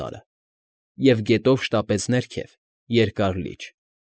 Սարը, և գետով շտապեց ներքև՝ Երկար Լիճ։